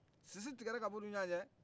sisi tigɛra ka bɔ u ni ɲɔgɔcɛ